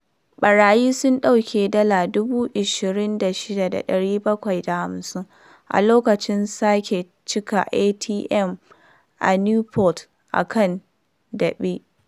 Ɓarayi sun ɗauki dala 26,750 a lokacin sake cika ATM a Newport a kan Daɓe